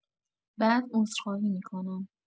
بعد عذرخواهی می‌کنم